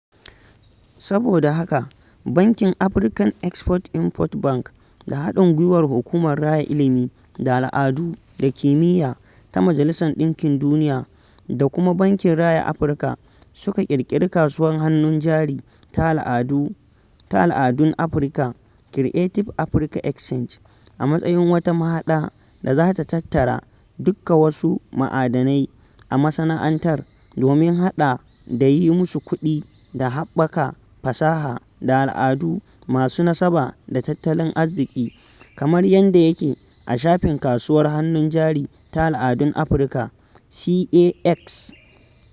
Saboda haka, bankin African Export-Import Bank da haɗin gwiwar Hukumar Raya Ilimi da Al'adu da Kimiyya Ta Majalisar ɗinkin Duniya da kuma Bankin Raya Afirka suka ƙirƙiri kasuwar hannun jari ta al'adun Afirka 'Creative Africa Exchange' a matsayin wata mahaɗa da za ta tattara duk wasu ma'adanai a masana'antar domin haɗa da yi musu kuɗi da haɓaka fasaha da al'adu masu nasaba da tattalin arziki, kamar yadda yake a shafin Kasuwar Hannun Jari ta al'adun Afirka (CAX).